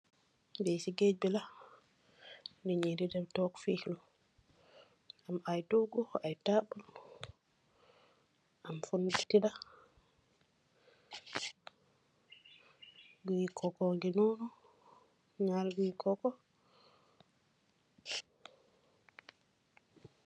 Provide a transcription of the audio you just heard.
Lii si geeg bi la. Nit ñi dem toog di feexlu. Am ay toogu, ak ay taabul, am fu nit tëdë, guyi koko ngi noonu, ñarri guyi koko.